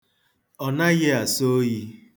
Ọ naghị asọ oyi